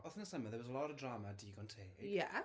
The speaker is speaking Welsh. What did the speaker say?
Wythnos yma, there was a lot of drama digon teg... Ie.